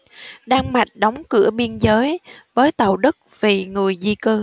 đan mạch đóng cửa biên giới với tàu đức vì người di cư